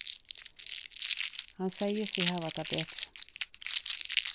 hann segði seg hava tað betri